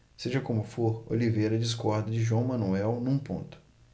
seja como for oliveira discorda de joão manuel num ponto